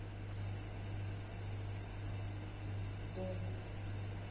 до